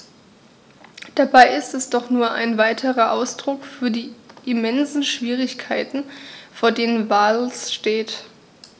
Dabei ist es doch nur ein weiterer Ausdruck für die immensen Schwierigkeiten, vor denen Wales steht.